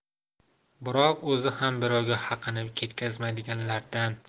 biroq o'zi ham birovga haqini ketkazmaydiganlardan